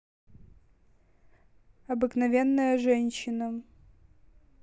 обыкновенная женщина